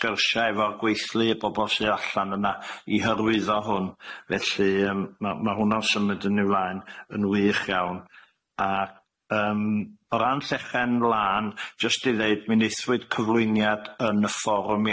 sgyrsia efo gweithlu y bobol sy allan yna i hyrwyddo hwn felly yym ma' ma' hwnna'n symud yn ei flaen yn wych iawn a yym o ran llechen mlan jyst i ddeud mi neithwyd cyflwyniad yn y fforwm